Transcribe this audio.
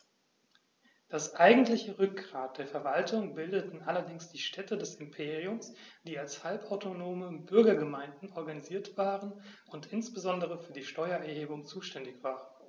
Das eigentliche Rückgrat der Verwaltung bildeten allerdings die Städte des Imperiums, die als halbautonome Bürgergemeinden organisiert waren und insbesondere für die Steuererhebung zuständig waren.